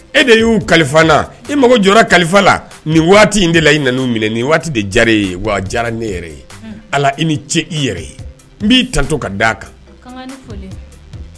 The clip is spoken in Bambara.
E de y'u kalifa i mago jɔra kalifa la nin waati in de la i minɛ nin waati de diyara ye diyara ne ye ala i ni ce i yɛrɛ ye n b'i t to ka d a kan